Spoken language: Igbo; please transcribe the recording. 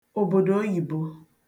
òbòdò oyìbo